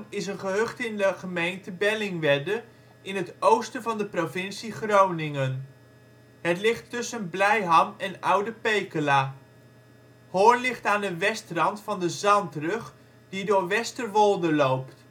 is een gehucht in de gemeente Bellingwedde in het oosten van de provincie Groningen. Het ligt tussen Blijham en Oude Pekela. Hoorn ligt aan de westrand van de zandrug die door Westerwolde loopt